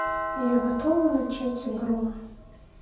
я готова начать игру